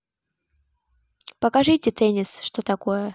покажите теннис что такое